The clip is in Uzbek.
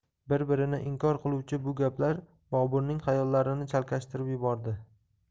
bir birini inkor qiluvchi bu gaplar boburning xayollarini chalkashtirib yubordi